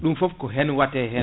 ɗum foof ko hen watte hen